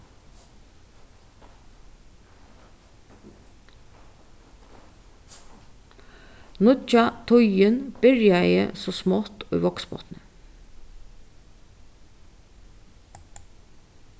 nýggja tíðin byrjaði so smátt í vágsbotni